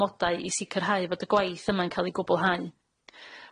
amodau i sicrhau fod y gwaith yma'n ca'l i gwblhau.